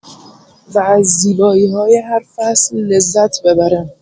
و از زیبایی‌های هر فصل لذت ببرن.